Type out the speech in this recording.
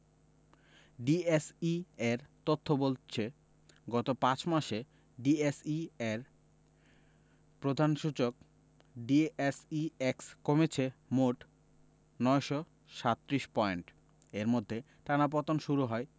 ডিএসইর তথ্য বলছে গত ৫ মাসে ডিএসইর প্রধান সূচক ডিএসইএক্স কমেছে মোট ৯৩৭ পয়েন্ট এর মধ্যে টানা পতন শুরু হয়